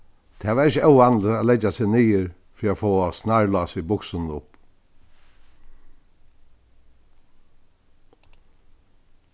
tað var ikki óvanligt at leggja seg niður fyri at fáa snarlásið í buksunum upp